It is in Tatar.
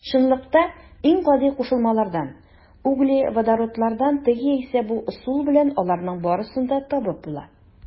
Чынлыкта иң гади кушылмалардан - углеводородлардан теге яисә бу ысул белән аларның барысын да табып була.